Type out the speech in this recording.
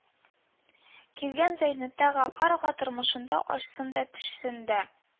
Килгән зәйтүнә гафаровага тормышында ачысын да, төчесен дә